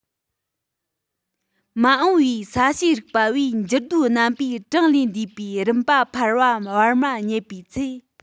མ འོངས པའི ས གཤིས རིག པ བས འགྱུར རྡོའི རྣམ པའི གྲངས ལས འདས པའི རིམ པ འཕར པ བར མ རྙེད པའི ཚེ